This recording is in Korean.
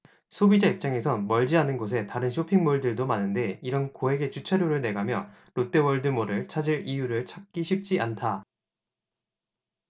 소비자 입장에선 멀지 않은 곳에 다른 쇼핑 몰들도 많은데 이런 고액의 주차료를 내가며 롯데월드몰을 찾을 이유를 찾기는 쉽지 않다